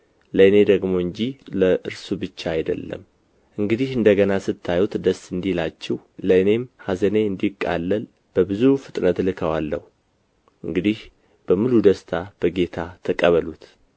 ለእኔ ደግሞ እንጂ ለእርሱ ብቻ አይደለም እንግዲህ እንደ ገና ስታዩት ደስ እንዲላችሁ ለእኔም ኀዘኔ እንዲቃለል በብዙ ፍጥነት እልከዋለሁ እንግዲህ በሙሉ ደስታ በጌታ ተቀበሉት